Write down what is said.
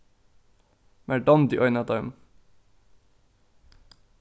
mær dámdi ein av teimum